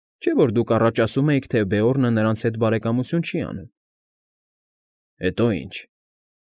Չէ՞ որ դուք առաջ ասում էիք, թե Բեորնը նարնց հետ բարեկամություն չի անում։ ֊ Հետո ի՞նչ։